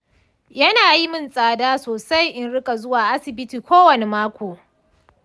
yana yi min tsada sosai in rika zuwa asibiti kowane mako.